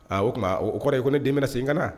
Aaa o tuma o kɔrɔ ye ko ne den na sen n ka na